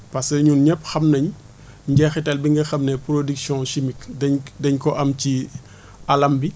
parce que ñun ñëpp xam nañu njeexital bi nga xam ne production chimique dañ dañ ko am ci alam bi